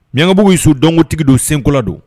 Ɲkabugu' su dɔntigi don senkura don